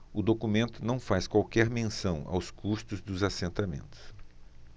o documento não faz qualquer menção aos custos dos assentamentos